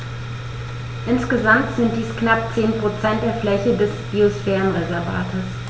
Insgesamt sind dies knapp 10 % der Fläche des Biosphärenreservates.